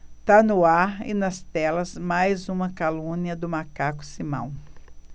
tá no ar e nas telas mais uma calúnia do macaco simão